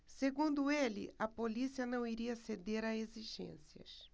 segundo ele a polícia não iria ceder a exigências